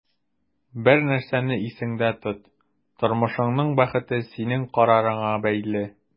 Бер нәрсәне исеңдә тот: тормышыңның бәхете синең карарыңа бәйле.